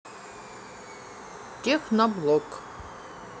техноблок